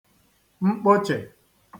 mkpochè